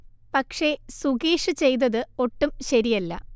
പക്ഷേ സുഗീഷ് ചെയ്തത് ഒട്ടും ശരിയല്ല